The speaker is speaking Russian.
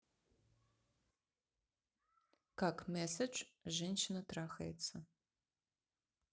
как message женщина трахается